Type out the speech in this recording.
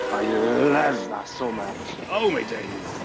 I love that so much. Oh my days.